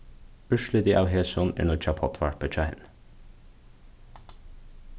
úrslitið av hesum er nýggja poddvarpið hjá henni